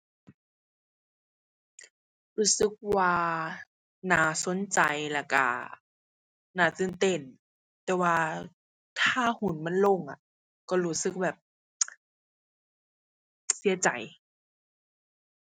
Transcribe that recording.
รู้สึกว่าน่าสนใจ แล้วก็น่าตื่นเต้น แต่ว่าถ้าหุ้นมันลงอะ ก็รู้สึกว่าแบบ เสียใจ